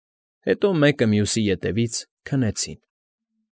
Հետո մեկը մյուսի ետևից քնեցին։